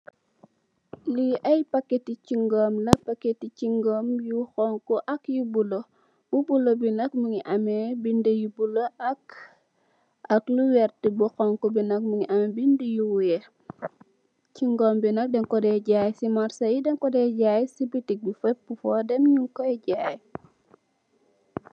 Li ay pakèti chigum la, pakèti chigum yu honku ak yu bulo. Bu bulo bi nak mungi ameh binda yu bulo ak lu vert. Bu honku bi nak mungi ameh bind yu weeh. Chigum bi nak dèn ko dè jaay ci marchè yi, dèn ko dè jaay ci bitik yi, fèpu fo dem nung koy jaay.